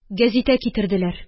Гәзитә китерделәр.